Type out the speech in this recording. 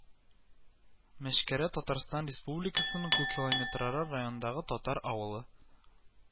Мәчкәрә Татарстан Республикасының Кукилометрара районындагы татар авылы